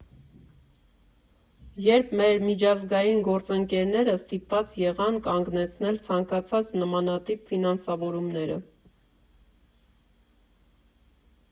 Երբ մեր միջազգային գործընկերները ստիպված եղան կանգնեցնել ցանկացած նմանատիպ ֆինանսավորումները։